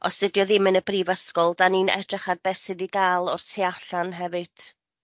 os dydi o ddim yn' y brifysgol 'dan ni'n edrych ar be' sydd i ga'l o'r tu allan hefyd.